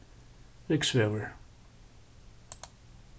rygsvegur